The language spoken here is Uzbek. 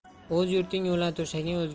o'z yurting o'lan to'shaging